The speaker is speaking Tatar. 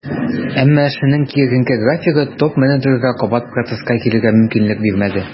Әмма эшенең киеренке графигы топ-менеджерга кабат процесска килергә мөмкинлек бирмәде.